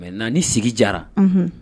Mɛ na ni sigi jara